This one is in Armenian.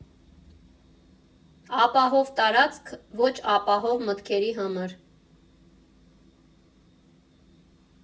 Ապահով տարածք ոչ ապահով մտքերի համար։